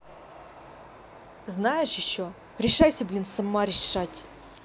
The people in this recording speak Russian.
знаешь еще решайся блин сама решать